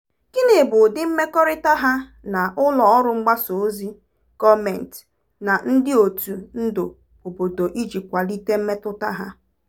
Gịnị bụ ụdị mmekọrịta ha na ụlọ ọrụ mgbasa ozi, gọọmentị, na ndị òtù ndu obodo iji kwalite mmetụta ha?